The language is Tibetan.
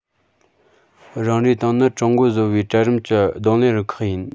རང རེའི ཏང ནི ཀྲུང གོའི བཟོ པའི གྲལ རིམ གྱི གདོང ལེན རུ ཁག ཡིན